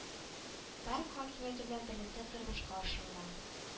Парк хакимияте белән берлектә тормышка ашырыла